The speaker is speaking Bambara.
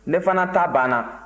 ne fana ta banna